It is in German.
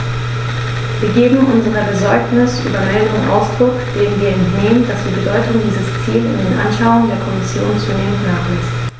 Wir geben unserer Besorgnis über Meldungen Ausdruck, denen wir entnehmen, dass die Bedeutung dieses Ziels in den Anschauungen der Kommission zunehmend nachlässt.